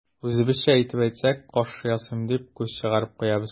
Үзебезчә итеп әйтсәк, каш ясыйм дип, күз чыгарып куябыз.